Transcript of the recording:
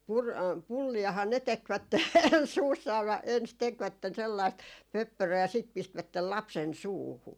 - pulliahan ne tekivät suussaan - ensin tekivät sellaista pöppöröä ja sitten pistivät lapsen suuhun